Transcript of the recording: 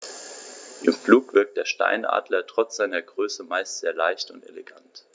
Im Flug wirkt der Steinadler trotz seiner Größe meist sehr leicht und elegant.